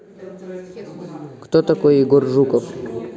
кто такой егор жуков